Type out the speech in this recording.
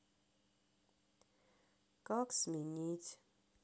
как сменить